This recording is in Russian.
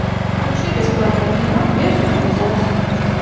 включи бесплатное кино без авторизации